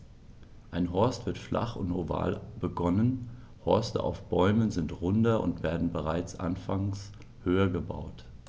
Ein Horst wird flach und oval begonnen, Horste auf Bäumen sind runder und werden bereits anfangs höher gebaut.